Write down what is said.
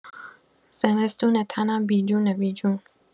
زمستونه تنم بی جون بی جون